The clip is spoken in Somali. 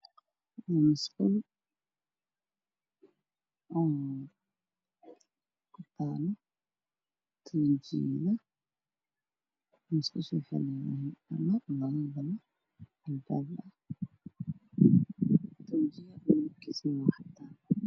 Waa musqul midabkeedu yahay caddaan darbiyada waa cadays dhulka waa mutulel cadaan